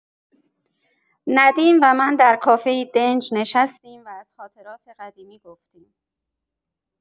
ندیم و من در کافه‌ای دنج نشستیم و از خاطرات قدیمی گفتیم.